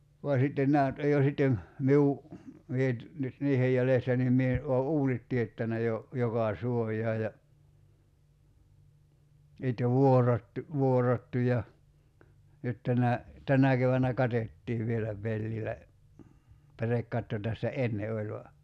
vaan sitten nämä nyt on jo sitten minun minä nyt nyt niiden jäljestä niin minä olen uunit teettänyt jo joka suojaan ja sitten vuorattu vuorattu ja nyt tänä tänä keväänä katettiin vielä pellillä pärekatto tässä ennen oli vain